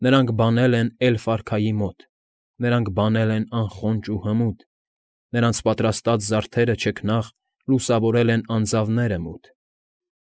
Նրանք բանել են էլֆ֊արքայի մոտ, Նրանք բանել են անխոնջ ու հմուտ, Նրանց պատրաստած զարդերը չքնաղ Լուսավորել են անձավները մութ։